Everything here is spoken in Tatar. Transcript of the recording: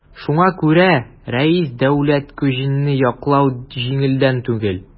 Шуңа күрә дә Рәис Дәүләткуҗинны яклау җиңелдән түгел.